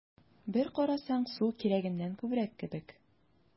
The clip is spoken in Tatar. Бер карасаң, су кирәгеннән күбрәк кебек: